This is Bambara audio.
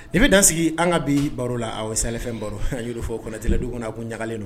N bɛ da sigi an ka bi baro la aw safɛn baro yurfɔ kɔnɔɛtɛlɛ du kɔnɔ a ko ɲagakalen don